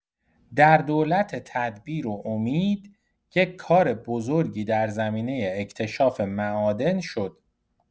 در دولت تدبیر و امید یک کار بزرگی در زمینه اکتشاف معادن شد.